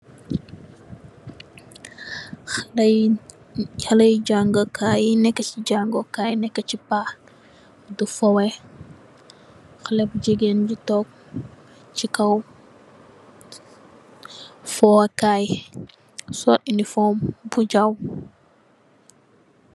Xalé Yi neekë so jangee kaay, neekë so paak, di foowe, xalé bu jigéen bi toog, ci kow fowe kaay, sol infom bu jaw.